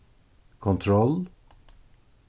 control